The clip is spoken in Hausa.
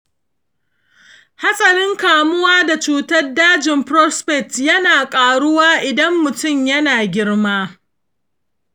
hatsarin kamuwa da cutar daji na prostate yana karuwa idan mutum yana girma.